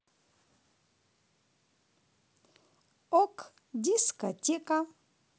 ок дискотека